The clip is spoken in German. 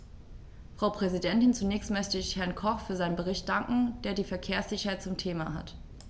Frau Präsidentin, zunächst möchte ich Herrn Koch für seinen Bericht danken, der die Verkehrssicherheit zum Thema hat.